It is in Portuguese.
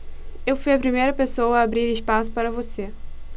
eu fui a primeira pessoa a abrir espaço para você